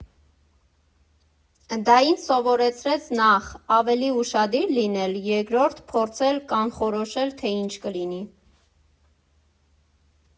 Դա ինձ սովորեցրեց նախ՝ ավելի ուշադիր լինել, երկրորդ՝ փորձել կանխորոշել, թե ինչ կլինի.